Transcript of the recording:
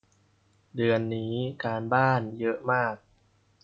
เดือนนี้การบ้านเยอะมาก